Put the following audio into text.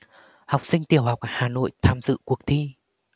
học sinh tiểu học hà nội tham dự cuộc thi